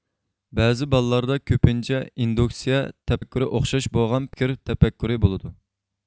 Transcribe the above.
بەزى بالىلاردا كۆپىنچە ئىندۇكسىيە تەپەككۇرى ئوخشاش بولغان پىكىر تەپەككۇرى بولىدۇ